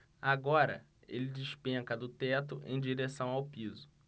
agora ele despenca do teto em direção ao piso